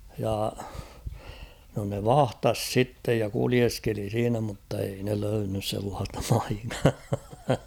ja no ne vahtasi sitten ja kuljeskeli siinä mutta ei ne löytänyt sellaista paikkaa